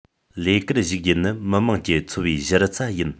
ལས ཀར ཞུགས རྒྱུ ནི མི དམངས ཀྱི འཚོ བའི གཞི རྩ ཡིན